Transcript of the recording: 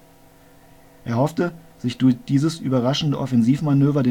Er hoffte, sich durch dieses überraschende Offensivmanöver